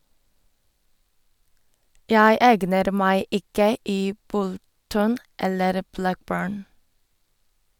- Jeg egner meg ikke i Bolton eller Blackburn.